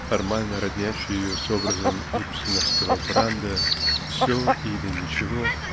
формально роднящий ее с образом ибсеновского Бранда ("все или ничего!")